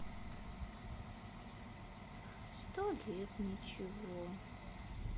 столет ничего